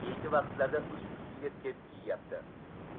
keyingi vaqtlarda ust ustiga tepki yeyapti